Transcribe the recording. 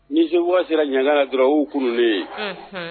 Ni se wa sera ɲga dɔrɔn u kunnen ye